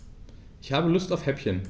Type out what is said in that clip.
Ich habe Lust auf Häppchen.